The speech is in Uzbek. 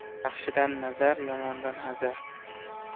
yaxshidan nazar yomondan hazar